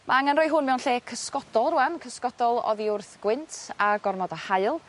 Ma' angan rhoi hwn mewn lle cysgodol rŵan cysgodol oddi wrth gwynt a gormod o haul.